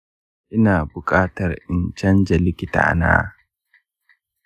ina buƙatar in canja likita na.